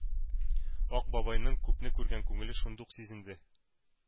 Ак бабайның күпне күргән күңеле шундук сизенде.